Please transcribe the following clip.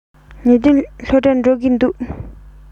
ཉི སྒྲོན སློབ གྲྭར འགྲོ གི འདུག